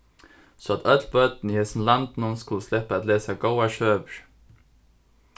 so at øll børn í hesum landinum skulu sleppa at lesa góðar søgur